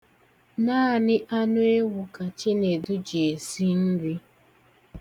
Naanị anụewu ka Chinedu ji esi nri.